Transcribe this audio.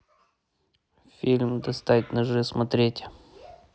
фильм достать ножи смотреть